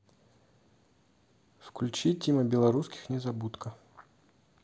включи тима белорусских незабудка